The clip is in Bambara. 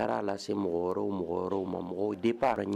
Taara lase se mɔgɔw mɔgɔ ma de taara